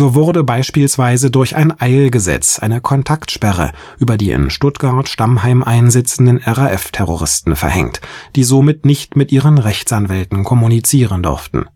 wurde beispielsweise durch ein Eilgesetz eine Kontaktsperre über die in Stuttgart-Stammheim einsitzenden RAF-Terroristen verhängt, die somit nicht mit ihren Rechtsanwälten kommunizieren durften